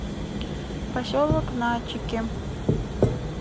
поселок начики